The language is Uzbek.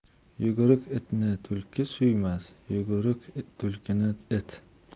yuguruk itni tulki suymas yuguruk tulkini it